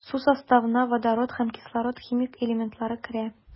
Су составына водород һәм кислород химик элементлары керә.